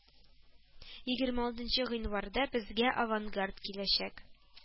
Егерме алтынчы гыйнварда безгә авангард киләчәк